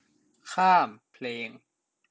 ข้ามเพลง